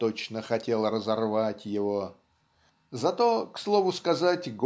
точно хотел разорвать его". Зато к слову сказать